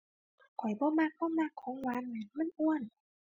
ข้อยบ่มัก บ่มักของหวานน่ะ มันอ้วน